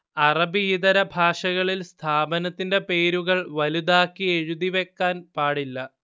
അറബി ഇതര ഭാഷകളിൽ സ്ഥാപനത്തിന്റെ പേരുകൾ വലുതാക്കി എഴുതി വെക്കാൻ പാടില്ല